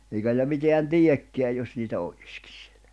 eikä niillä mitään teekään jos niitä olisikin siellä